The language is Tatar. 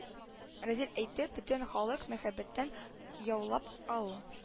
Разил әйтте бөтен халык мәхәббәтен яулап алу